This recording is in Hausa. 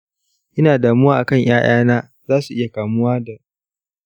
ina damuwa akan ƴaƴana za su iya kamuwa da ciwon suga.